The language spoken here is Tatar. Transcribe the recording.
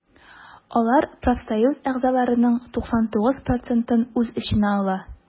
Алар профсоюз әгъзаларының 99 процентын үз эченә ала.